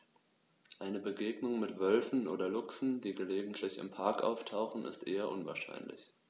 Eine Begegnung mit Wölfen oder Luchsen, die gelegentlich im Park auftauchen, ist eher unwahrscheinlich.